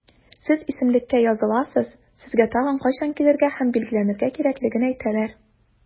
Сез исемлеккә языласыз, сезгә тагын кайчан килергә һәм билгеләнергә кирәклеген әйтәләр.